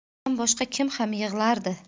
mendan boshqa kim ham yig'lardi